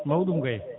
mawɗum kay